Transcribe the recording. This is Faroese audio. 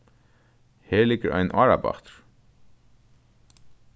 her liggur ein árabátur